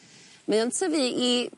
Mae o'n tyfu i